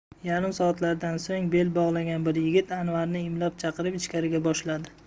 yarim soatlardan so'ng bel bog'lagan bir yigit anvarni imlab chaqirib ichkariga boshladi